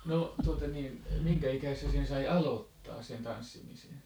no tuota niin minkä ikäisenä sen sai aloittaa sen tanssimisen